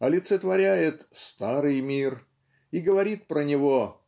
олицетворяет "старый мир" и говори! про него